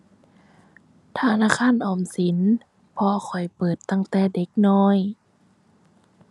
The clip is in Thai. ธนาคารออมสินพ่อข้อยเปิดตั้งแต่เด็กน้อย